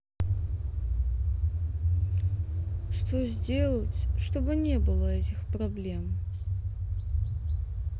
что сделать чтобы не было этих проблем